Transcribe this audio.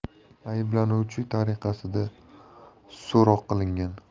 ayblanuvchi tariqasida so'roq qilingan